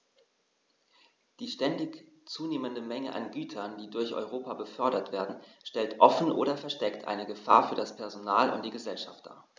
Die ständig zunehmende Menge an Gütern, die durch Europa befördert werden, stellt offen oder versteckt eine Gefahr für das Personal und die Gesellschaft dar.